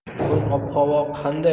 bugun ob havo qanday